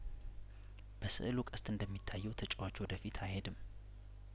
በስእሉ ቀስት እንደሚታየው ተጫዋቹ ወደፊት አይሄድም